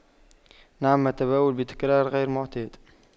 نعم أتبول بتكرار غير معتاد